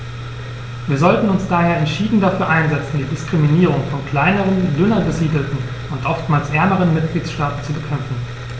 Wir sollten uns daher entschieden dafür einsetzen, die Diskriminierung von kleineren, dünner besiedelten und oftmals ärmeren Mitgliedstaaten zu bekämpfen.